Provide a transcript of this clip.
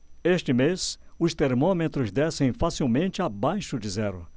este mês os termômetros descem facilmente abaixo de zero